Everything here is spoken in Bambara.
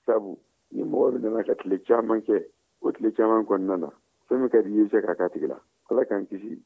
sabu ni mɔgɔ minɛna ka tile caman kɛ o tile caman kɔnɔna na fɛn o fɛn ka di i ye i bɛ se ka kɛ a tigi la ala k'an kisi